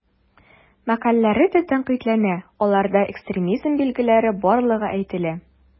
Мәкаләләре тәнкыйтьләнә, аларда экстремизм билгеләре барлыгы әйтелә.